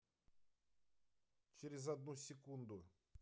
через одну секунду